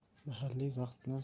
mahalliy vaqt bilan